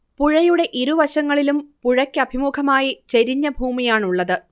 പുഴയുടെ ഇരുവശങ്ങളിലും പുഴയ്ക്കഭിമുഖമായി ചെരിഞ്ഞ ഭൂമിയാണ് ഉള്ളത്